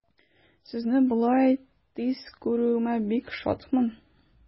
Сезне болай тиз күрүемә бик шатмын.